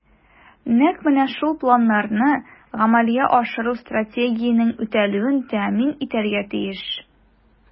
Нәкъ менә шул планнарны гамәлгә ашыру Стратегиянең үтәлүен тәэмин итәргә тиеш.